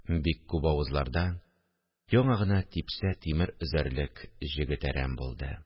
Бик күп авызлардан: – Яңа гына типсә тимер өзәрлек җегет әрәм булды